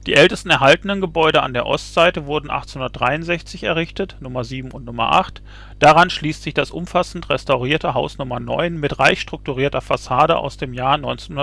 ältesten erhaltenen Gebäude an der Ostseite wurden 1863 errichtet (Nr. 7 und 8); daran schließt sich das umfassend restaurierte Haus Nr. 9 mit reich strukturierter Fassade aus dem Jahr 1905